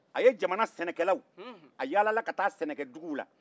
a ye jamana sɛnɛkɛlaw a yala la ka taa sɛnɛkɛ duguw la